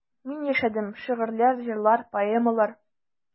Мин яшәдем: шигырьләр, җырлар, поэмалар.